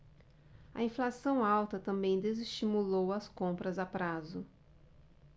a inflação alta também desestimulou as compras a prazo